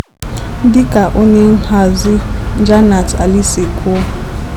Dị ka onye nhazi Jannat Ali si kwuo: